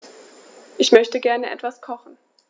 Ich möchte gerne etwas kochen.